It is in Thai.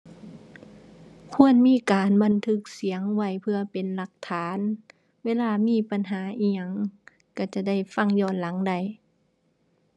ควรมีการบันทึกเสียงไว้เพื่อเป็นหลักฐาน เวลามีปัญหาอิหยังก็จะได้ฟังย้อนหลังได้